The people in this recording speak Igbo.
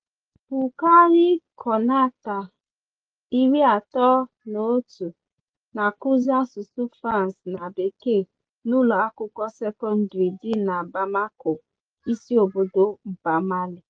Boukary Konaté, 31, na-akụzi asụsụ France na Bekee n'ụlọ akwụkwọ sekọndịrị dị na Bamako, isi obodo mba Mali.